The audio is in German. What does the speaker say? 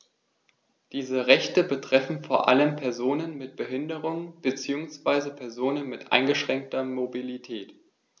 Diese Rechte betreffen vor allem Personen mit Behinderung beziehungsweise Personen mit eingeschränkter Mobilität.